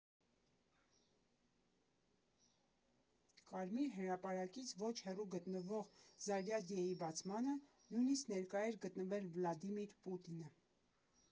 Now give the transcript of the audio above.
Կարմիր հրապարակից ոչ հեռու գտնվող Զարյադյեի բացմանը նույնիսկ ներկա էր գտնվել Վլադիմիր Պուտինը։